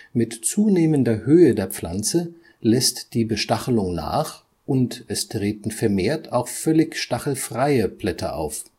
Mit zunehmender Höhe der Pflanze lässt die Bestachelung nach und es treten vermehrt auch völlig stachelfreie Blätter auf